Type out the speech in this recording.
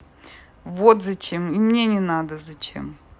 вот зачем и мне не надо зачем